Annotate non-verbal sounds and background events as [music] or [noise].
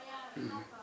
[crosstalk] [hesitation] [hesitation]